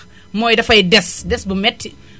mooy dafay des des bu métti